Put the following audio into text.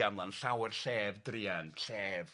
Llawer llef druan llef... Ia...